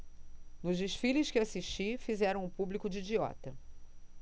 nos desfiles que assisti fizeram o público de idiota